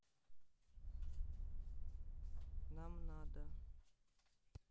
нам надо